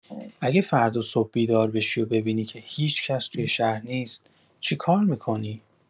اگه فردا صبح بیدار بشی و ببینی که هیچ‌کس توی شهر نیست، چیکار می‌کنی؟